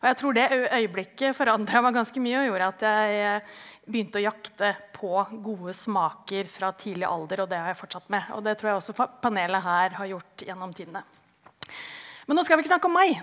og jeg tror det øyeblikket forandra meg ganske mye og gjorde at jeg begynte å jakte på gode smaker fra tidlig alder, og det har jeg fortsatt med, og det tror jeg også panelet her har gjort gjennom tidene, men nå skal vi ikke snakke om meg.